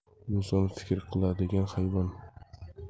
inson fikr qiladigan hayvon